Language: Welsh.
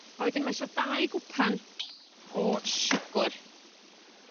A wedyn ma' isio dau gwpan o siwgr